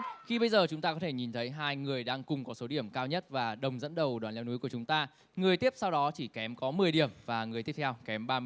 khi bây giờ chúng ta có thể nhìn thấy hai người đang cùng có số điểm cao nhất và đồng dẫn đầu đoàn leo núi của chúng ta người tiếp sau đó chỉ kém có mười điểm và người tiếp theo kém ba